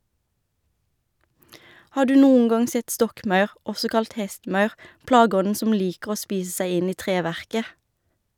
Har du noen gang sett stokkmaur, også kalt hestemaur, plageånden som liker å spise seg inn i treverket?